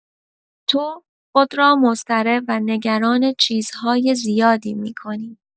تو خود را مضطرب و نگران چیزهای زیادی می‌کنی.